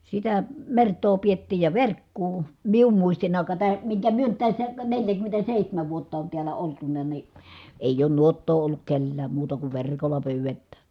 sitä mertaa pidettiin ja verkkoa minun muistini aikaan tämä minkä me nyt tässä - neljäkymmentäseitsemän vuotta on täällä oltu niin ei ole nuottaa ollut kenelläkään muuta kuin verkolla pyydetään